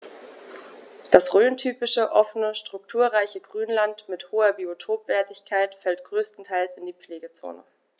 Das rhöntypische offene, strukturreiche Grünland mit hoher Biotopwertigkeit fällt größtenteils in die Pflegezone.